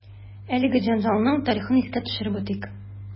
Әлеге җәнҗалның тарихын искә төшереп үтик.